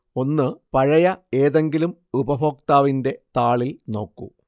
ഒന്ന് പഴയ ഏതെങ്കിലും ഉപഭോക്താവിന്റെ താളിൽ നോക്കൂ